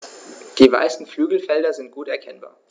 Die weißen Flügelfelder sind gut erkennbar.